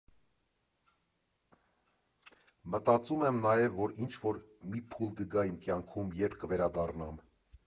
Մտածում եմ նաև, որ ինչ֊որ մի փուլ կգա իմ կյանքում, երբ կվերադառնամ։